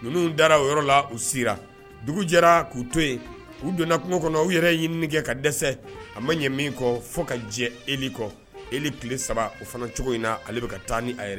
Ninnu taara o yɔrɔ la u sera dugu jɛra k'u to yen u donna kungo kɔnɔ u yɛrɛ ɲini kɛ ka dɛsɛ a ma ɲɛ min kɔ fo ka jɛ e kɔ e tile saba o fana cogo in na ale bɛ ka taa ni a yɛrɛ